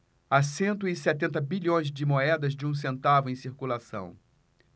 há cento e setenta bilhões de moedas de um centavo em circulação